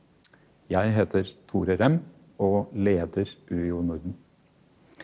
jeg heter Tore Rem og leder UiO Norden.